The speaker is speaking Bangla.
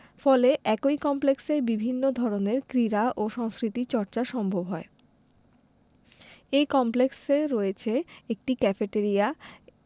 ফলে একই কমপ্লেক্সে বিভিন্ন ধরনের ক্রীড়া ও সংস্কৃতি চর্চা সম্ভব হয় এ কমপ্লেক্সে রয়েছে একটি ক্যাফেটরিয়া